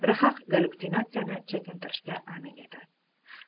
rhaq gallyutsinatsiyani chekintirganiga amin edi